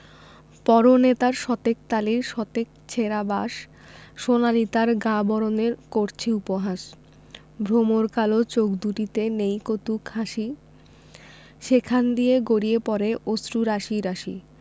পরনে তার শতেক তালির শতেক ছেঁড়া বাস সোনালি তার গা বরণের করছে উপহাস ভমর কালো চোখ দুটিতে নেই কৌতুক হাসি সেখান দিয়ে গড়িয়ে পড়ে অশ্রু রাশি রাশি